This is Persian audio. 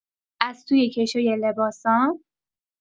از توی کشوی لباسام